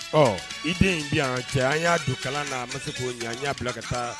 Ɔ i den in diya yan cɛ an y'a don kalan na ma se ko ɲan'a bilala ka taa